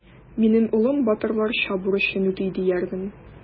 Минем улым батырларча бурычын үти диярмен.